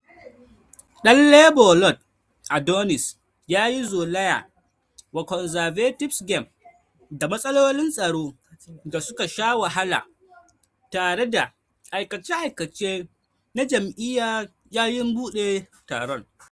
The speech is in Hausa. Dan Labor Lord Adonis ya yi zoloya wa Conservatives game da matsalolin tsaro da suka sha wahala tare da aikace-aikace na jam'iyya yayin buɗe taron.